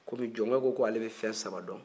komi jɔnke ko ale bɛ fɛn saba dɔn